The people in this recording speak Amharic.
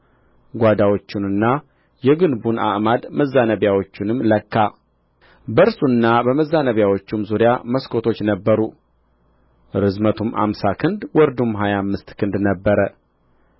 ጓዳዎቹንና የግንቡን አዕማድ መዛነቢያዎቹንም ለካ በእርሱና በመዛነቢያዎቹም ዙሪያ መስኮቶች ነበሩ ርዝመቱም አምሳ ክንድ ወርዱም ሀያ አምስት ክንድ ነበረ